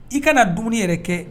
I ka na dumuni yɛrɛ kɛ